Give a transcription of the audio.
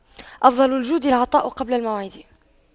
أفضل الجود العطاء قبل الموعد